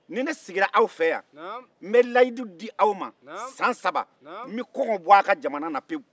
ni ne sigila aw fɛ yan n bɛ layidu di aw ma san saba n bɛ kɔngɔ bɔ aw ka jamana na pewu